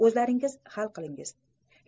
o'zlaringiz hal qilingizlar